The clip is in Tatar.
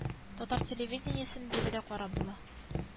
Татар телевидениясен биредә карап була